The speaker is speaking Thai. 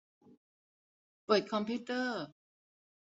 เปิดคอมพิวเตอร์